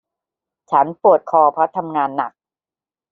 ฉันปวดคอเพราะทำงานหนัก